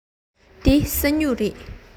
འདི སྒེའུ ཁུང རེད